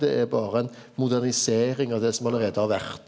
det er berre ein modernisering av det som allereie har vore.